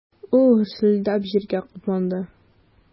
Ул гөрселдәп җиргә капланды.